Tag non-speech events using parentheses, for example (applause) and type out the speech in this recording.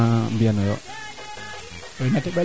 mais waaga ñimna in teeno ndik (laughs)